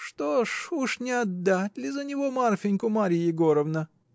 — Что ж, уж не отдать ли за него Марфиньку, Марья Егоровна?